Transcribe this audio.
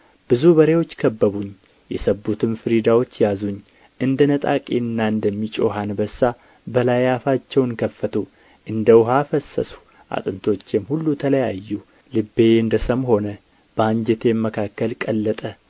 ብዙ በሬዎች ከበቡኝ የሰቡትም ፍሪዳዎች ያዙኝ እንደ ነጣቂና እንደሚጮኽ አንበሳ በላዬ አፋቸውን ከፈቱ እንደ ውኃ ፈሰስሁ አጥንቶቼም ሁሉ ተለያዩ ልቤ እንደ ሰም ሆነ በአንጀቴም መካከል ቀለጠ